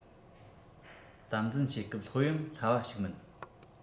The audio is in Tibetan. དམ འཛིན བྱེད སྐབས ལྷོད གཡེང སླ བ ཞིག མིན